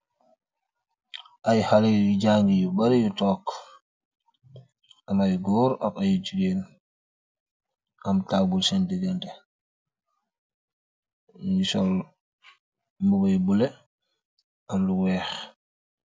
Aiiy haleh yuii jangie yu bari yu tok, am aiiy gorre, am aiiy gigain, am taabul sehnn diganteh, nju sol mbuba yu bleu ak lu wekh.